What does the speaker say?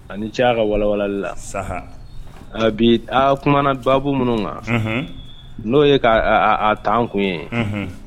A ni ce ka wawa la sa a bi a kuma du bɔ minnu kan n'o ye k' taa kun ye